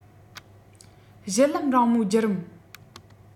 བཞུད ལམ རིང མོའི བརྒྱུ རིམ